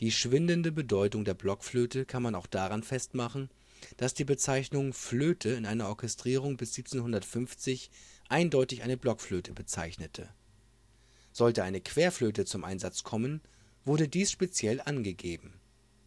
Die schwindende Bedeutung der Blockflöte kann man auch daran festmachen, dass die Bezeichnung " Flöte " in einer Orchestrierung bis 1750 eindeutig eine Blockflöte bezeichnete. Sollte eine Querflöte zum Einsatz kommen, wurde dies speziell angegeben